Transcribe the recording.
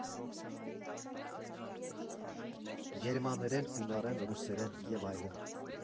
Գերմաներեն, հունարեն, ռուսերեն և այլն։